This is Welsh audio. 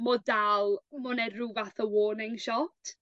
m' o dal ma' wnna ryw fath o warning shot.